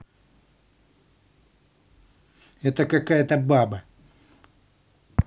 это какая то баба